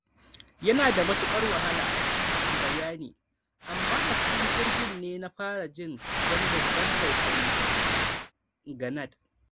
Yanada matukar wahalar bayani, amma a cikin jirgin ne na fara jin wani babban tausayi ga Nad.